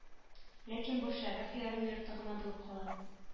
Ләкин бу шәрех ярым-йорты гына булып кала